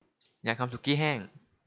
อยากทำสุกี้แห้ง